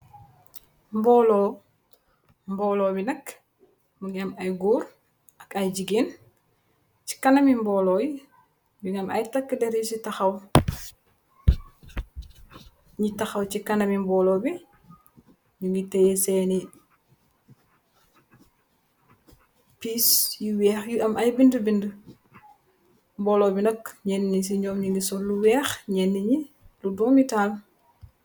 Mboolo, mboolo bi nakk mu ngi am ay góor ak ay jigéen. Ci kanami mbooloo yi bi, mungi am ay takk deri ñi taxaw ci kanami mboolo bi, nu ngi teyé seeni piis yu wéex yu am ay bind-bind. Mboolo bi nakk ñenni ci noom nu ngi sol lu weex, ñenn ñi lu doomi taam.